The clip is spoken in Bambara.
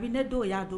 Mɛ ne don o y'a don